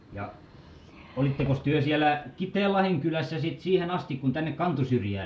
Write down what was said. ja olittekos te siellä Kiteenlahden kylässä sitten siihen asti kuin tänne Kantosyrjään